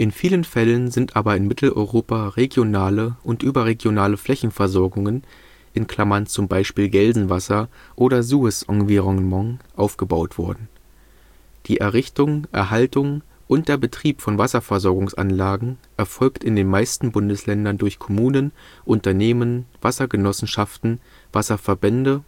vielen Fällen sind aber in Mitteleuropa regionale und überregionale Flächenversorgungen (zum Beispiel Gelsenwasser oder Suez Environnement) aufgebaut worden. Die Errichtung, Erhaltung und der Betrieb von Wasserversorgungsanlagen erfolgt in den meisten Bundesländern durch Kommunen, Unternehmen, Wassergenossenschaften, Wasserverbände